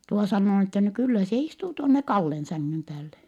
tuo sanoo niin että no kyllä se istuu tuonne Kallen sängyn päälle